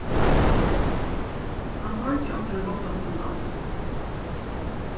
hann hoyrdi onkran rópa sítt navn